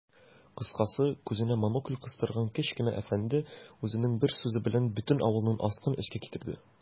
Кыскасы, күзенә монокль кыстырган кечкенә әфәнде үзенең бер сүзе белән бөтен авылның астын-өскә китерде.